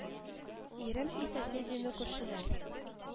Ирем и соседи ну күршеляр